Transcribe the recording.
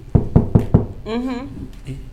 Un